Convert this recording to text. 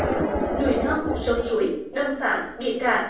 núi non sông suối đầm phá bị cạn